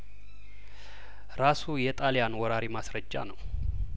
ራሱ የጣሊያን ወራሪ ማስረጃ ነው